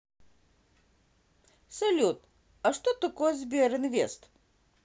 салют а что такое сбер инвест